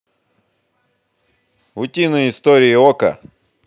утиные истории окко